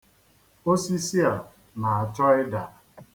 Osisi a na-achọ ịda.